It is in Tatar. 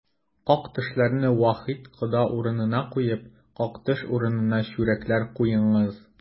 Как-төшләрне Вахит кода урынына куеп, как-төш урынына чүрәкләр куеңыз!